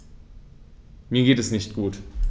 Mir geht es nicht gut.